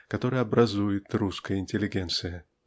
который образует русская интеллигенция.